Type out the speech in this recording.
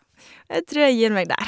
Jeg tror jeg gir meg der.